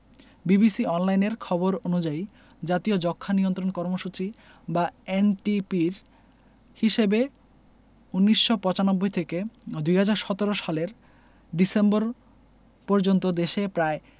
BBC অনলাইনের খবর অনুযায়ী জাতীয় যক্ষ্মা নিয়ন্ত্রণ কর্মসূচি বা এনটিপির হিসেবে ১৯৯৫ থেকে ২০১৭ সালের ডিসেম্বর পর্যন্ত দেশে প্রায়